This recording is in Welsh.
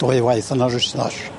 Dwy waith yn yr wsnos.